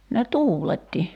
ne tuuletti